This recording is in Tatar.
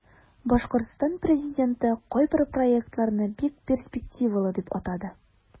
Башкортстан президенты кайбер проектларны бик перспективалы дип атады.